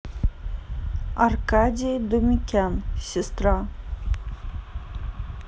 аркадий думикян сестра